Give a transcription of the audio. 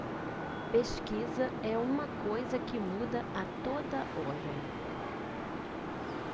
pesquisa é uma coisa que muda a toda hora